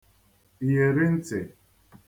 iyeri ntị